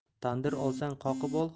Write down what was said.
tandir olsang qoqib ol